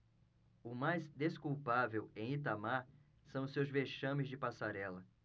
o mais desculpável em itamar são os seus vexames de passarela